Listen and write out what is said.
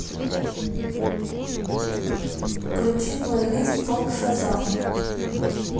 включи плейлист топ шазам